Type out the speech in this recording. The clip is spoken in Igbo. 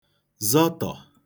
zọtọ̀